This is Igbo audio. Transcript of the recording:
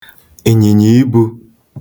ị̀nyị̀nyìibū